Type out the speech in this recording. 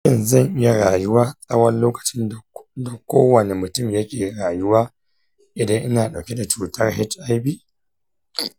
shin zan iya rayuwa tsawon lokacin da kowani mutum yake rayuwa idan ina ɗauke da cutar hiv?